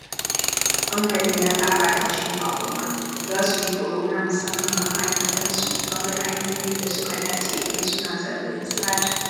Kamfanin ya ƙara da cewa kuma za su yi horo na musamman ga ma'aikatansu game da hanyoyin da suka dace idan suna zargin sata.